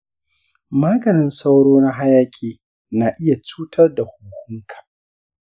maganin sauro na hayaƙi na iya cutar da huhunka.